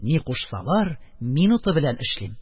Ни кушсалар, минуты белән эшлим.